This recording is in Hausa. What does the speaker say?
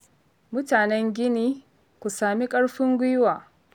Mutanen Guinea, ku sami ƙarfin guiwa!